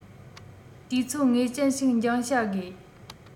དུས ཚོད ངེས ཅན ཞིག འགྱངས བྱ དགོས